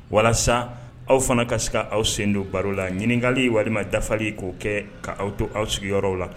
Walasa aw fana ka se k'aw sen don baro la, ɲininkali walima dafali k'o kɛ k'aw to aw sigiyɔrɔ la.